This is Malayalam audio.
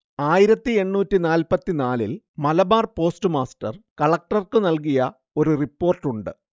ആയിരത്തിഎണ്ണൂറ്റി നാല്‍പ്പത്തിനാലില്‍ മലബാർ പോസ്റ്റ്മാസ്റ്റർ കളക്ടർക്കു നൽകിയ ഒരു റിപ്പോർട്ടുണ്ട്